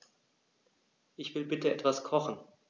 Ich will bitte etwas kochen.